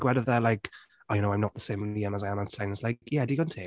Gwedodd e like "Oh, you know, I’m not the same Liam as I am outside" and it's like, Ie, digon teg.